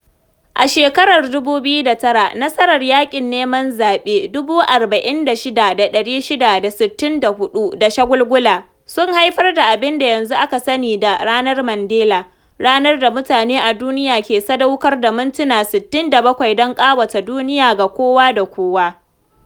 A shekarar 2009, nasarar yaƙin neman zaɓe 46664 da shagulgula, sun haifar da abin da yanzu aka sani da "Ranar Mandela", ranar da mutane a duniya ke sadaukar da mintuna 67 don ƙawata duniya ga kowa da kowa.